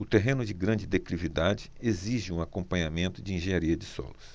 o terreno de grande declividade exige um acompanhamento de engenharia de solos